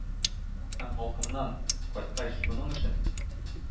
Һәм халкымнан, кайткач, шуның өчен